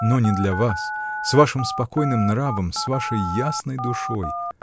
но не для вас, с вашим спокойным нравом, с вашей ясной душой!